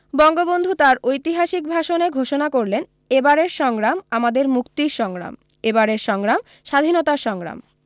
বঙ্গবন্ধু তাঁর ঐতিহাসিক ভাষণে ঘোষণা করলেন এবারের সংগ্রাম আমাদের মুক্তির সংগ্রাম এবারের সংগ্রাম স্বাধীনতার সংগ্রাম